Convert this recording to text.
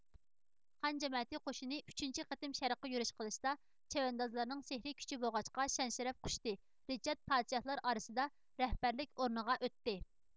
خان جەمەتى قوشۇنى ئۈچىنچى قېتىم شەرققە يۈرۈش قىلىشتا چەۋەندازلارنىڭ سېھرىي كۈچى بولغاچقا شان شەرەپ قۇچتى رىچارد پادىشاھلار ئارىسىدا رەھبەرلىك ئورنىغا ئۆتتى